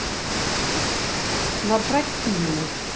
набрать фильмы